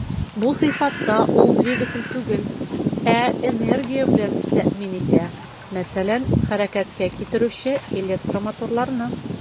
Бу сыйфатта ул двигатель түгел, ә энергия белән тәэмин итә, мәсәлән, хәрәкәткә китерүче электромоторларны.